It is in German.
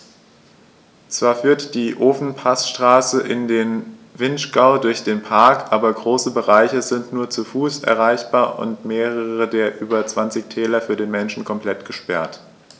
Zwar führt die Ofenpassstraße in den Vinschgau durch den Park, aber große Bereiche sind nur zu Fuß erreichbar und mehrere der über 20 Täler für den Menschen komplett gesperrt.